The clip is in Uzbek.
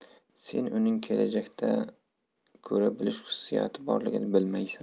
sen uning kelajakni ko'ra bilish xususiyati borligini bilmaysan